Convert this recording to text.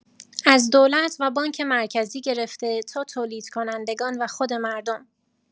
از دولت و بانک مرکزی گرفته تا تولیدکنندگان و خود مردم.